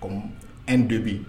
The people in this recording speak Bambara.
Ɔ e dɔbi